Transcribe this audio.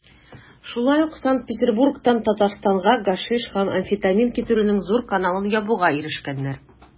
Шулай ук Санкт-Петербургтан Татарстанга гашиш һәм амфетамин китерүнең зур каналын ябуга ирешкәннәр.